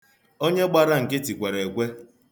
Onye gbara nkịtị kwere ekwe.